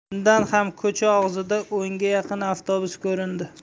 chindan ham ko'cha og'zida o'nga yaqin avtobus ko'rindi